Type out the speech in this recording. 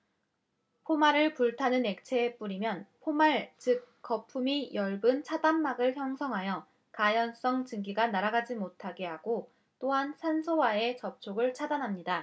포말을 불타는 액체에 뿌리면 포말 즉 거품이 엷은 차단막을 형성하여 가연성 증기가 날아가지 못하게 하고 또한 산소와의 접촉을 차단합니다